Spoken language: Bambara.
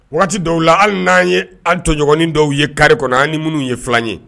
Waati dɔw la hali n'an ye an tɔɲɔgɔnin dɔw ye kari kɔnɔ ani minnu ye fila ye